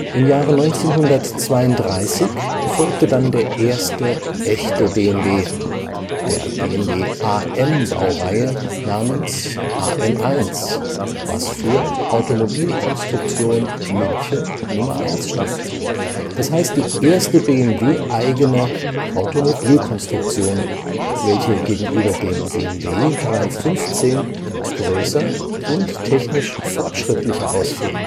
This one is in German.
1932 folgte dann der erste „ echte “BMW der BMW AM-Baureihe namens AM1 (für „ Automobilkonstruktion München Nr. 1 “), d. h. die erste BMW-eigene Automobilkonstruktion, welche gegenüber dem BMW 3/15 größer und technisch fortschrittlicher ausfiel